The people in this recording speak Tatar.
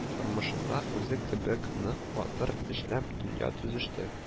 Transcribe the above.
Тормышында үзе кебек нык, батыр эшләп дөнья төзеште